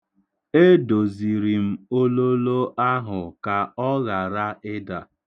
Edoziri m ololo ahụ ka ọ ghara ịda.